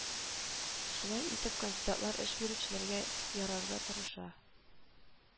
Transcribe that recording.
Шулай итеп, кандидатлар эш бирүчеләргә ярарга тырыша